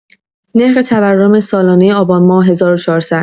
نرخ تورم سالانه آبان‌ماه ۱۴۰۰